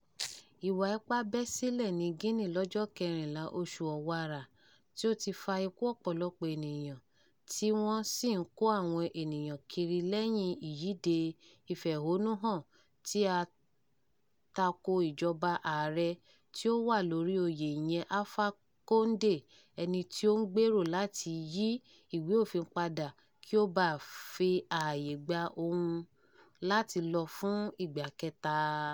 Ìwà ipá bẹ́ sílẹ̀ ní Guinea lọ́jọ́ 14 oṣù Ọ̀wàrà, tí ó ti fa ikú ọ̀pọ̀lọpọ̀ ènìyàn tí wọ́n sì ń kó àwọn ènìyàn kiri lẹ́yìn ìyíde ìféhónúhàn tí ó tako ìjọba ààrẹ tí ó wà lórí oyè ìyẹn Alpha Condé, ẹni tí ó ń gbèrò láti yí ìwé-òfin padà kí ó bá fi ààyè gba òun láti lọ fún ìgbà kẹta.